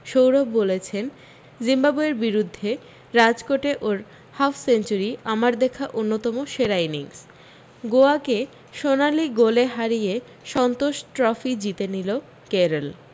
সৌরভ বলেছেন জিম্বাবোয়ের বিরুদ্ধে রাজকোটে ওর হাফ সেঞ্চুরি আমার দেখা অন্যতম সেরা ইনিংস গোয়াকে সোনালী গোলে হারিয়ে সন্তোষ ট্রফি জিতে নিলো কেরল